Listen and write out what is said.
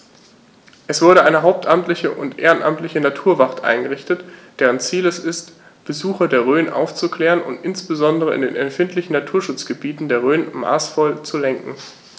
Es wurde eine hauptamtliche und ehrenamtliche Naturwacht eingerichtet, deren Ziel es ist, Besucher der Rhön aufzuklären und insbesondere in den empfindlichen Naturschutzgebieten der Rhön maßvoll zu lenken.